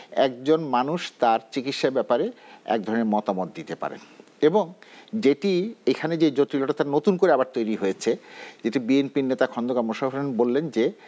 একজন মানুষ তার চিকিৎসার ব্যাপারে এক ধরনের মতামত দিতে পারেন এবং যেটি এখানে যে জটিলতা টা নতুন করে আবার তৈরি হয়েছে যেটি বিএনপি নেতা খন্দকার মোশাররফ হোসেন বললেন যে